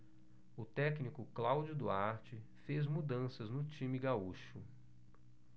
o técnico cláudio duarte fez mudanças no time gaúcho